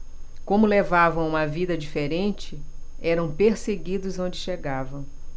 como levavam uma vida diferente eram perseguidos onde chegavam